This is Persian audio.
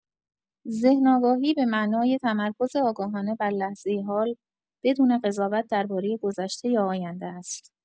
ذهن‌آگاهی به معنای تمرکز آگاهانه بر لحظۀ حال، بدون قضاوت دربارۀ گذشته یا آینده است.